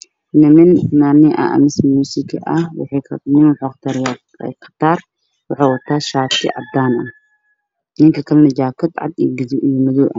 Waxaa ii muuqdo laba nin oo wataan dhar midna uu gacanta ku hayo bahal midabkiisa yahay oo ah bahalka heesaha lagu qaado